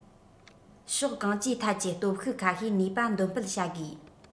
ཕྱོགས གང ཅིའི ཐད ཀྱི སྟོབས ཤུགས ཁ ཤས ནུས པ འདོན སྤེལ བྱ དགོས